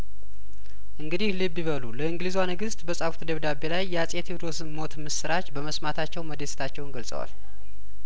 እንግዲህ ልብ ይበሉ ለእንግሊዟ ንግስት በጻፉት ደብዳቤ ላይ የአጼ ቴዎድሮስን ሞት ምስራች በመስማታቸው መደሰታቸውን ገልጸዋል